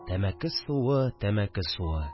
Тәмәке суы, тәмәке суы